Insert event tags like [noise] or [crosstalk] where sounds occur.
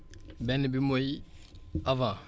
benn bi mooy [noise] avant